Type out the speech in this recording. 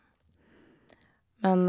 Men...